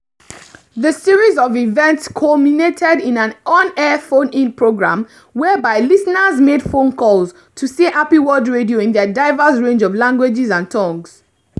The series of events culminated in an on-air phone-in programme, whereby listeners made phone calls to say “happy World Radio Day” in their diverse range of languages and tongues: